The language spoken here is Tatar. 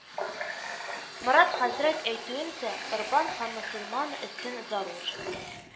Морат хәзрәт әйтеүенсә, орбан һәр мөселман өсөн зарур